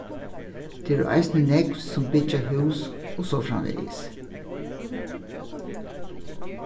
tað eru eisini nógv sum byggja hús og so framvegis